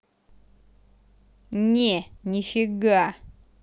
не нифига